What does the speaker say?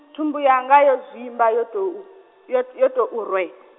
thumbu yanga yo zwimba yo tou, yo to- yo tou rwe .